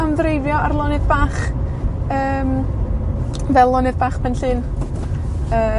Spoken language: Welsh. am ddreifio ar lonydd bach yym, fel lonydd bach Pemllyn? Yy.